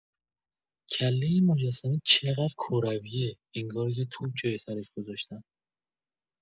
کله این مجسمه چه‌قدر کرویه، انگار یه توپ جای سرش گذاشتن!